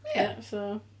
Ia, so...